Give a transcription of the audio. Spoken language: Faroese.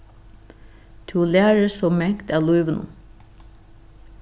tú lærir so mangt av lívinum